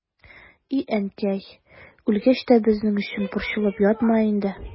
И әнкәй, үлгәч тә безнең өчен борчылып ятма инде.